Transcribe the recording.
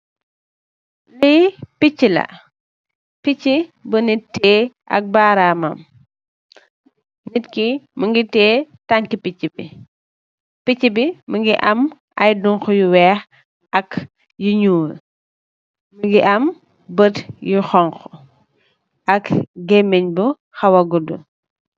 Li peechi la, Pèchi bu nitt teey ak baramam, nitki mugi teey tanki Pechi bi. Pichi bi mugi amm ayy ndonhu nyu weekh ak nyu niol, mugi amm beut nyu xonxo ak gamegn bu xala gudu.